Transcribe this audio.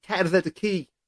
cerdded y ci.